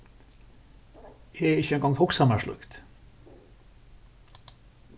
eg hevði ikki eingongd hugsað mær slíkt